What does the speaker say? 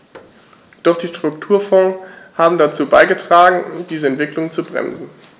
Doch die Strukturfonds haben dazu beigetragen, diese Entwicklung zu bremsen.